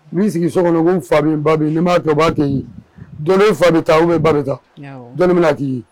Min sigi so kɔnɔ ko fa min ba n b'a to' tɛ dɔnni fa bɛ taa u bɛ ba ta dɔnni bɛna tɛ yen